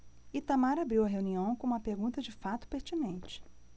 itamar abriu a reunião com uma pergunta de fato pertinente